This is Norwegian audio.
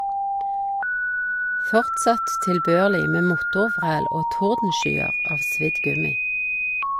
Fortsatt tilbørlig med motorvræl og tordenskyer av svidd gummi.